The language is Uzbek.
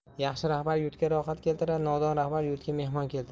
yaxshi rahbar yurtga rohat keltirar nodon rahbar yurtga mehmon keltirar